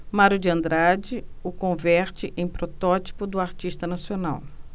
mário de andrade o converte em protótipo do artista nacional